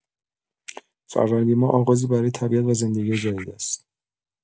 فروردین‌ماه آغازی برای طبیعت و زندگی جدید است.